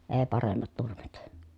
ei paremmat nurmet